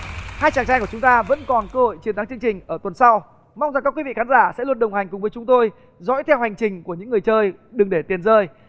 hai chàng trai của chúng ta vẫn còn cơ hội chiến thắng chương trình ở tuần sau mong rằng các quý vị khán giả sẽ luôn đồng hành cùng với chúng tôi dõi theo hành trình của những người chơi đừng để tiền rơi